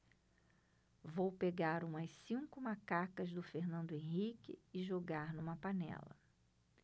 vou pegar umas cinco macacas do fernando henrique e jogar numa panela